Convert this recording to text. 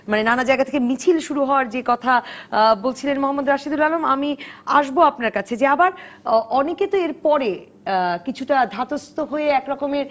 মানে নানা জায়গা থেকে মিছিল শুরু হওয়ার যে কথা বলছিলেন মোঃ রাশিদুল আলম আমি আসব আপনার কাছে যে আবার অনেকে তো এর পরে কিছুটা ধাতস্থ হয়ে এক রকমের